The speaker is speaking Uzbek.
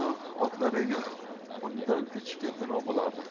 o'ngarib ketishsa nima bo'lardi